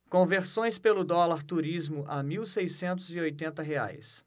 conversões pelo dólar turismo a mil seiscentos e oitenta reais